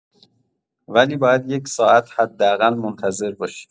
ولی باید یک ساعت حداقل منتظر باشید.